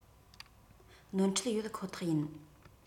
ནོར འཁྲུལ ཡོད ཁོ ཐག ཡིན